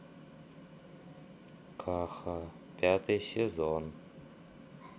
каха пятый сезон